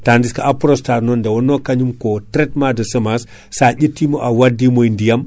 tandis que Aprostar non nde wonno kañum ko taritement de semence sa ƴettimo a waddimo e ndiyam